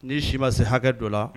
Ni si ma se hakɛ dɔ la